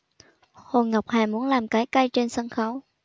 hồ ngọc hà muốn làm cái cây trên sân khấu